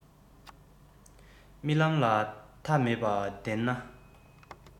རྨི ལམ ལ མཐའ མེད པ བདེན ན